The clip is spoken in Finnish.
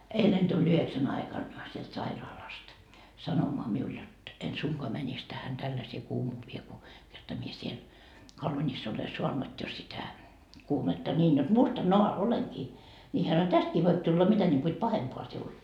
eilen tuli yhdeksän aikana sieltä sairaalasta sanomaan minulle jotta en suinkaan menisi tähän tällaiseen kuumuuteen kun kerta minä siellä olen saanut jo sitä kuumetta niin jotta mustanaan olenkin niin hän sanoi tästäkin voi tulla mitä niin kuin että pahempaa sinulle